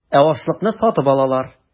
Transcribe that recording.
Ә ашлыкны сатып алалар.